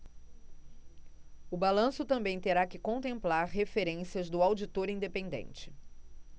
o balanço também terá que contemplar referências do auditor independente